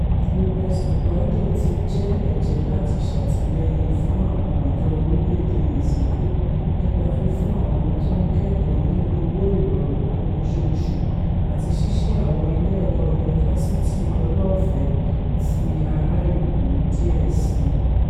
Lopez Obrador ti jẹ́ ẹ̀jẹ́ láti ṣàtìlẹ́yîn fun àwọn ọ̀dọ́ orílẹ̀-èdè Mẹ́ṣíkò nípa fífún àwọn tó ńkẹ́kọ̀ọ́ ní owó ìrọ̀rùn olóoṣooṣù àti sísí àwọn ilẹ̀ ẹ̀kọ́ yunifásitì ọlọ́ọ̀fẹ́ ti ara ìlú díẹ̵̀ síi.